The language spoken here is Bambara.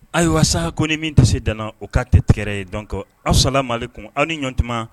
Ayiwa sa ko ni min tɛ se donna o ka tiɛgɛrɛ ye donc bɛ assalaam aleyikum aw ni ɲankuma.